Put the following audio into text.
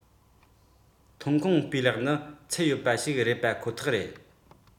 ཐོན ཁུངས སྤུས ལེགས ནི ཚད ཡོད པ ཞིག རེད པ ཁོ ཐག རེད